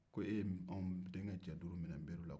ko e y'anw denkɛ cɛ duuru minɛ nbari la